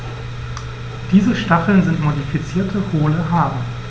Diese Stacheln sind modifizierte, hohle Haare.